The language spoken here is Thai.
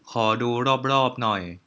ขอดูรอบรอบหน่อย